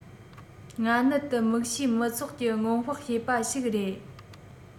སྔ སྣུར དུ དམིགས བྱའི མི ཚོགས ཀྱི སྔོན དཔག བྱེད པ ཞིག རེད